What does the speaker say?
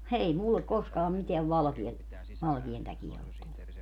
ei minulle koskaan mitään valkea valkean takia ole tullut